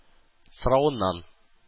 Соравыннан